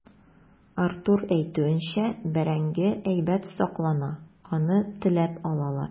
Артур әйтүенчә, бәрәңге әйбәт саклана, аны теләп алалар.